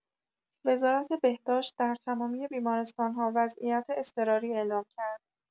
وزارت بهداشت در تمامی بیمارستان‌ها وضعیت اضطراری اعلام کرد.